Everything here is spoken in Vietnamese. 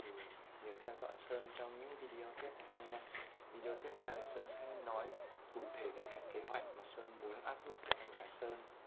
nhớ theo dõi sơn trong những video tiếp theo video tiếp theo sơn sẽ nói rõ về kế hoạch sơn muốn áp dụng cho em gái sơn